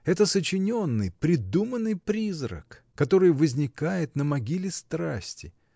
Это сочиненный, придуманный призрак, который возникает на могиле страсти.